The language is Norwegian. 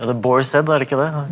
det er er det ikke det.